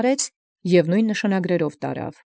Իւր, և նովին նշանագրովք տանէր։